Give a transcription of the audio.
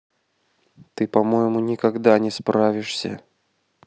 ты по моему никогда не справишься